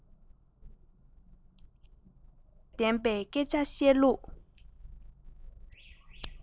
ཁྱད ཆོས ལྡན པའི སྐད ཆ བཤད ལུགས